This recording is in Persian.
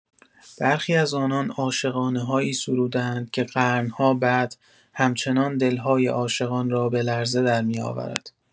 برخی از آنان عاشقانه‌هایی سروده‌اند که قرن‌ها بعد همچنان دل‌های عاشقان را به لرزه درمی‌آورد.